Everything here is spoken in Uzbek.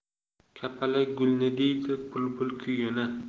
kapalak gulni deydi bulbul kuyini